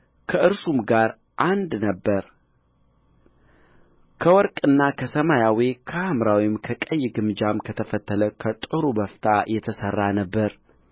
ከእርሱም ጋር አንድ ነበረ ከወርቅና ከሰማያዊ ከሐምራዊ ከቀይ ግምጃም ከተፈተለም ከጥሩ በፍታ የተሠራ ነበረ